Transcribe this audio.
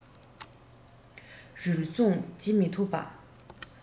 རུལ སུངས བྱེད མི ཐུབ པ